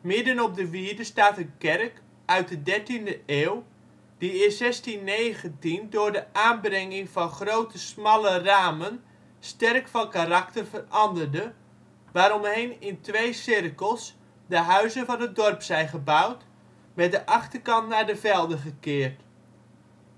midden op de wierde staat een kerk uit de 13e eeuw, die in 1619 door de aanbrenging van grote smalle ramen sterk van karakter veranderde, waaromheen (in twee cirkels) de huizen van het dorp zijn gebouwd, met de achterkant naar de velden gekeerd.